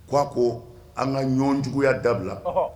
Ko a ko an ŋa ɲɔɔn juguya dabila ɔhɔɔ